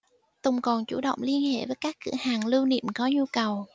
tùng còn chủ động liên hệ với các cửa hàng lưu niệm có nhu cầu